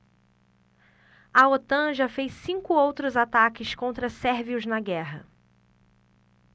a otan já fez cinco outros ataques contra sérvios na guerra